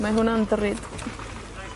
Mae hwnna'n ddrud.